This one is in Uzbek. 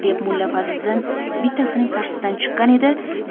deb mulla fazliddin bittasining qarshisidan chiqqan edi